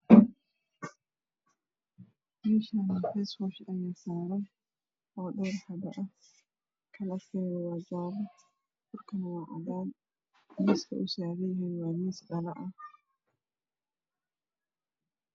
Meshan fesfosha ayaa saran oo dhoor xabo ah kalakoda was jale furkan waa cadan miiska oow saranyahay waa miis dhalo ah